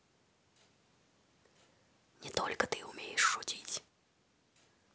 не только ты умеешь шутить